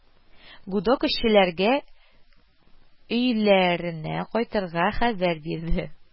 Гудок эшчеләргә өйләренә кайтырга хәбәр бирде